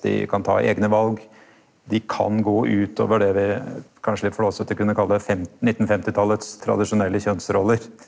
dei kan ta eigne val, dei kan gå ut over det vi kanskje flåsete kunne kalla nittenfemtitalets tradisjonelle kjønnsroller.